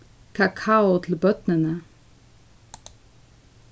kakao til børnini